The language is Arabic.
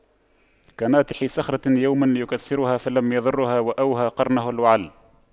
كناطح صخرة يوما ليكسرها فلم يضرها وأوهى قرنه الوعل